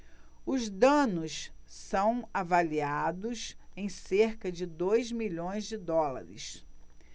os danos são avaliados em cerca de dois milhões de dólares